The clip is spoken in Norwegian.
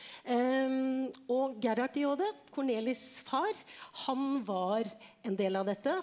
og Gerard de Jode, Cornelis' far, han var en del av dette.